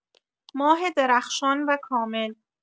ماه درخشان و کامل